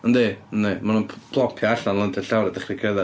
Yndi, yndi maen nhw'n pl- plopio allan, landio ar llawr a dechrau cerddad.